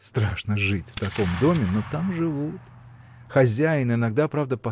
Страшно жить в таком доме, но там живут. Хозяин иногда правда